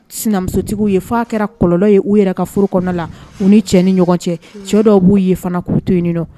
Sinamusotigiw ye'a kɛra kɔlɔlɔ ye u yɛrɛ ka furu kɔnɔ la u ni cɛ ni ɲɔgɔn cɛ cɛ dɔw b'u ye fana k'u to ɲini